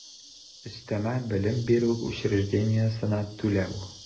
Өстәмә белем бирү учреждениесенә түләү